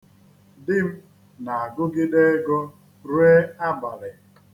Di m na-agụgide ego rue abalị.